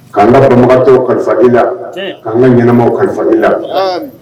K'an karababagatɔ kalifa la k'an ka ɲɛnaɛnɛmaw kalifa la